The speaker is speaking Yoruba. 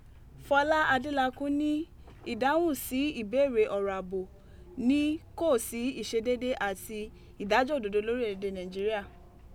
Fọlá Adélakùn ni idahun si ibere ọrọ abo ni ko si iṣedeede ati idajọ ododo lorile ede Naijiria.